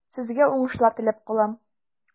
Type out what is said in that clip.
Сезгә уңышлар теләп калам.